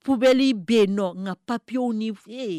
Pbli bɛ yen nɔ nka papiyewuw ni fɛ yen